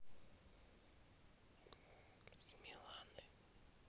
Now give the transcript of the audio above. с миланой